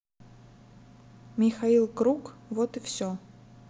михаил круг вот и все